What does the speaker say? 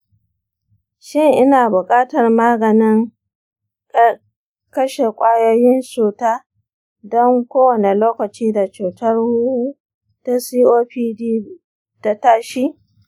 shin ina buƙatar maganin kashe ƙwayoyin cuta don kowane lokaci da cutar huhu ta copd ta tashi?